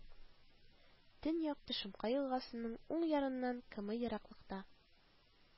Төньяк Тошемка елгасының уң ярыннан км ераклыкта